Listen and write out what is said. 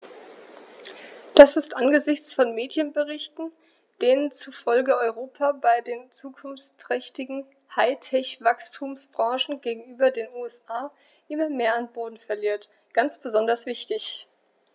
Das ist angesichts von Medienberichten, denen zufolge Europa bei den zukunftsträchtigen High-Tech-Wachstumsbranchen gegenüber den USA immer mehr an Boden verliert, ganz besonders wichtig.